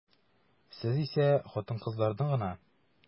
Сез исә хатын-кызларны гына.